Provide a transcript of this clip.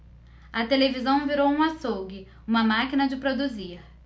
a televisão virou um açougue uma máquina de produzir